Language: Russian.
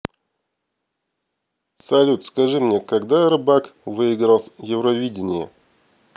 салют скажи мне когда рыбак выиграл евровидение